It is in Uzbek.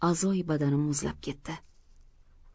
a'zoyi badanim muzlab ketdi